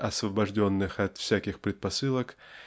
освобожденных от всяких предпосылок